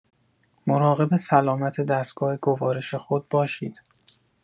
مراقب سلامت دستگاه گوارش خود باشید.